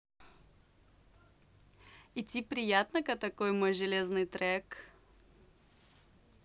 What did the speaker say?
идти приятной ка такой мой железный трек